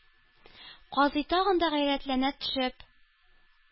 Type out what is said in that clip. Казый, тагын гайрәтләнә төшеп: